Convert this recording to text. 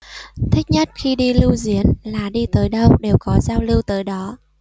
thích nhất khi đi lưu diễn là đi tới đâu đều có giao lưu tới đó